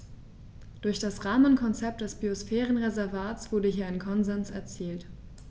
Durch das Rahmenkonzept des Biosphärenreservates wurde hier ein Konsens erzielt.